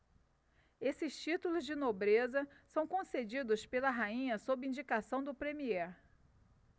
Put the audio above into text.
esses títulos de nobreza são concedidos pela rainha sob indicação do premiê